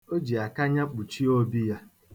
O ji akanya kpuchie obi ya.